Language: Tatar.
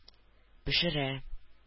Пешерә